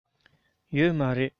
ཡོད མ རེད